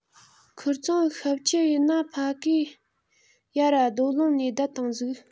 ཁིར ཚང ཤབ ཁྱུ ཡིན ནཕ གིས ཡར ར རྡོ ལུང ནས བསྡད བཏང ཟིག